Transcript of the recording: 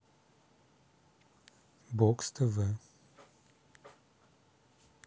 бокс тв